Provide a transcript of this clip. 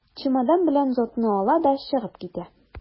Чемодан белән зонтны ала да чыгып китә.